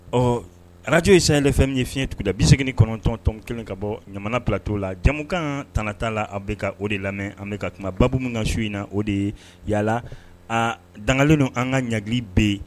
Ɔ araj ye saya fɛn min ye fiɲɛɲɛda bɛ segin kɔnɔntɔntɔn kelen ka bɔ ɲamana bilatɔ la jamumukan t t'a la an bɛ ka o de lamɛn an bɛ ka kumababu min ka su in na o de ye yalala a dan don an ka ɲagali bɛ yen